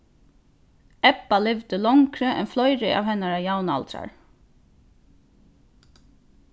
ebba livdi longri enn fleiri av hennara javnaldrar